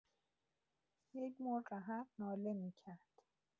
یک مرغ‌حق ناله می‌کرد.